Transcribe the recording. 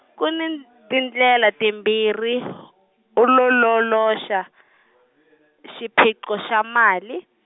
ku ni tindlela timbirhi , u ololoxa , xiphiqo xa mali.